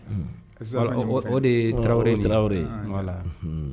O de ye tarawele tarawele ye